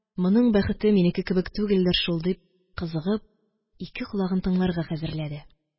Моның бәхете минеке кебек түгелдер шул, дип кызыгып, ике колагын тыңларга хәзерләде.